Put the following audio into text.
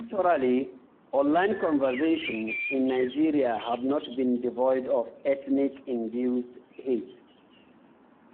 Naturally, online conversations in Nigeria have not been devoid of ethnic-induced hate.